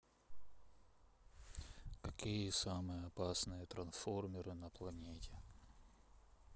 какие самые опасные трансформеры на планете